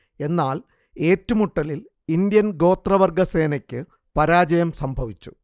എന്നാൽ ഏറ്റുമുട്ടലിൽ ഇന്ത്യൻ ഗോത്രവർഗ സേനയ്ക്ക് പരാജയം സംഭവിച്ചു